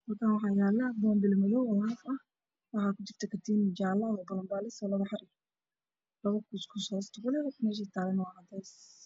Halkaan waxaa yaalo boombale madow ah oo haaf ah waxaa ku jirta katiin jaalle ah oo balan baaris ah ooblabo xarig leh labo kuus kuus leh meeshay taalana waa cadays.